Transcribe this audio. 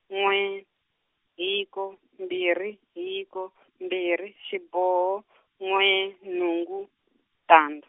n'we, hiko mbirhi hiko , mbirhi xiboho , n'we nhungu, tandza.